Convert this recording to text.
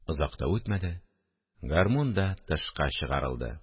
Озак та үтмәде, гармун да тышка чыгарылды